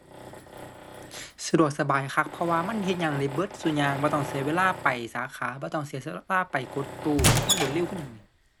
สะดวกสบายคัก เพราะว่ามันเฮ็ดหยังได้เบิดซุอย่าง บ่ต้องเสียเวลาไปสาขา บ่ต้องเสีย ลาไปกดตู้ มันรวดเร็วคือหยังหนิ